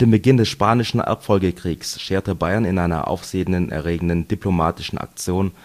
Beginn des Spanischen Erbfolgekriegs scherte Bayern in einer aufsehenerregenden diplomatischen Aktion